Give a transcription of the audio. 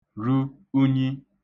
ru unyi